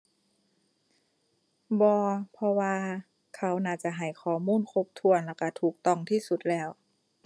บ่ เพราะว่าเขาน่าจะให้ข้อมูลครบถ้วนแล้วก็ถูกต้องที่สุดแล้ว